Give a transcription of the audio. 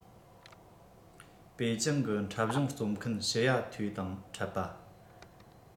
པེ ཅིང གི འཁྲབ གཞུང རྩོམ མཁན ཞི ཡ ཐུའི དང འཕྲད པ